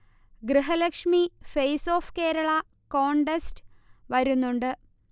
Grihalakshmi face of Kerala contest വരുന്നുണ്ട്